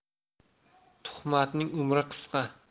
tuhmatning umri qisqa